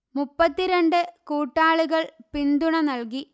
മുപ്പത്തി രണ്ട് കൂട്ടാളികൾ പിന്തുണ നല്കി